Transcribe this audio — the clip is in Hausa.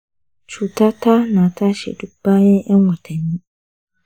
cutata na tashi duk bayan 'yan watanni.